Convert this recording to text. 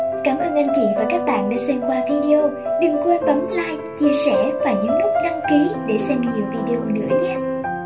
cảm ơn bạn đã xem qua video đừng quên bấm like chia sẻ và đăng ký để xem nhiều video nữa nhé